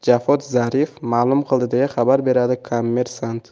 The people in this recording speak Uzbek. zarif ma'lum qildi deya xabar beradi kommersant